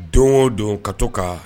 Don o don ka to kan